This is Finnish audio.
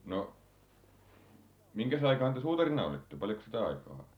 no mihinkäs aikaan te suutarina olitte paljonkos siitä aikaa on